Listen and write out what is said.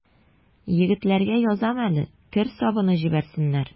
Егетләргә язам әле: кер сабыны җибәрсеннәр.